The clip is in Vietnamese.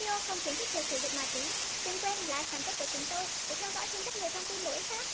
video không khuyến khích việc sử dụng ma túy đừng quên like fanpage của chúng tôi để theo dõi thêm rất nhiều thông tin bổ ích khác